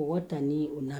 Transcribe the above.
O tan ni u na